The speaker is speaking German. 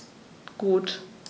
Gut.